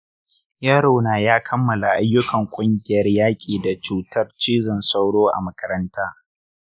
yarona ya kammala ayyukan ƙungiyar yaƙi da cutar cizon sauro a makaranta.